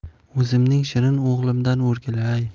o'zimning shirin o'g'limdan o'rgilay